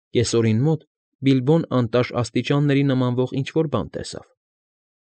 Կեսօրին մոտ Բիլբոն անտաշ աստիճանների նմանվող ինչ֊որ բան տեսավ։